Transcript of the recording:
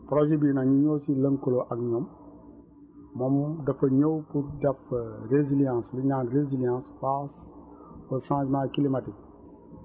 projet bii nag ñun ñoo si lëkkaloo ak ñoom moom dafa ñëw pour topp résileience li ñu naan résileince face au changement climatique